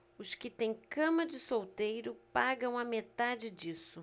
os que têm cama de solteiro pagam a metade disso